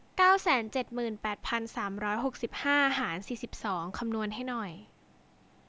เก้าแสนเจ็ดหมื่นแปดพันสามร้อยหกสิบห้าหารสี่สิบสองคำนวณให้หน่อย